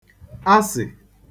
asị̀